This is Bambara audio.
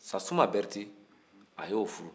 sasuma bɛrite a y'o furu